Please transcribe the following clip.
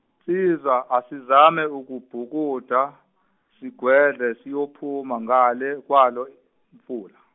nsizwa asizame ukubhukuda sigwedle siyophuma ngale kwalo mfula.